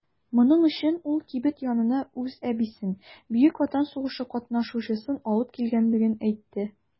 Моның өчен ул кибет янына үз әбисен - Бөек Ватан сугышы катнашучысын алып килгәнлеген әйтте.